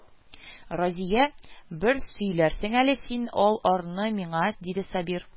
Разия, бер сөйләрсең әле син ал арны миңа, диде Сабир